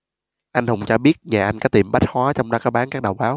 anh hùng cho biết nhà anh có tiệm bách hóa trong đó có bán các đầu báo